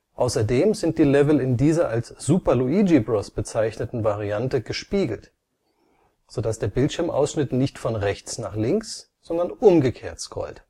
Außerdem sind die Level in dieser als Super Luigi Bros. bezeichneten Variante gespiegelt, sodass der Bildschirmausschnitt nicht von rechts nach links, sondern umgekehrt scrollt